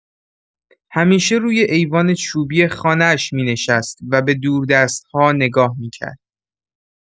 همیشه روی ایوان چوبی خانه‌اش می‌نشست و به دوردست‌ها نگاه می‌کرد.